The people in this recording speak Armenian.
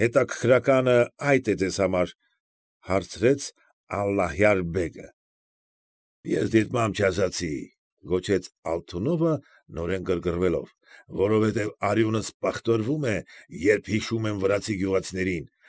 Հետաքրքրականը այդ է ձեր համար,֊ հարցրեց Ալլահյար֊բեգը։ ֊ Ես դիտմամբ չասացի,֊ կոչեց Ալթունովը, նորեն գրգռվելով,֊ որովհետև արյունս պղտորվում է, երր հիշում եմ վրացի գյուղացիներին։